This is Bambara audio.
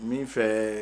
Min fɛ